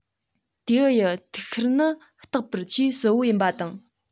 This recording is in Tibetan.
རྟེའུ ཡི ཐིག ཤར ནི རྟག པར ཆེས གསལ པོ ཡིན པ དང